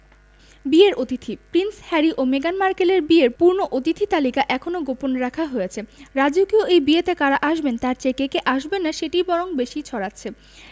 বিয়ের অতিথি prince Harry ও মেগান মার্কেলের বিয়ের পূর্ণ অতিথি তালিকা এখনো গোপন রাখা হয়েছে রাজকীয় এই বিয়েতে কারা আসবেন তার চেয়ে কে কে আসবেন না সেটিই বরং বেশি ছড়াচ্ছে